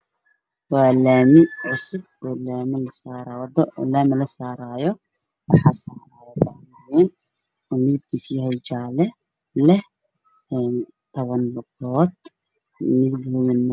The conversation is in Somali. Waa laami cusub oo hada lasaarayo waxaa taalo cagaf jaale ah oo leh toban lugood.